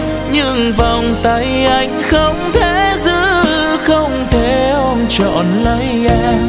nhưng vòng tay anh không thể giữ không thể ôm trọn lấy em